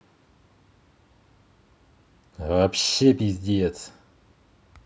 вообще пиздец